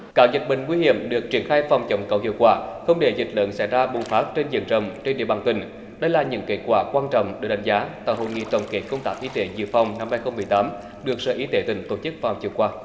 các dịch bệnh nguy hiểm được triển khai phòng chống có hiệu quả không để dịch lớn xảy ra bùng phát trên diện rộng trên địa bàn tỉnh đây là những kết quả quan trọng để đánh giá tại hội nghị tổng kết công tác y tế dự phòng năm hai không mười tám được sở y tế tỉnh tổ chức vào chiều qua